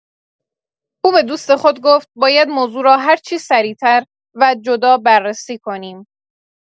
او به دوست خود گفت باید موضوع را هرچی سریع‌تر و جدا بررسی کنیم